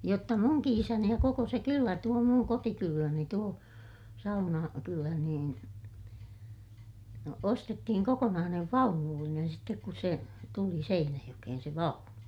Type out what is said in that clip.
jotta minunkin isäni ja koko se kylä tuo minun kotikyläni tuo - Saunakylä niin no ostettiin kokonainen vaunullinen sitten kun se tuli Seinäjokeen se vaunu